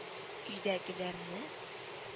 Өйдәгеләрне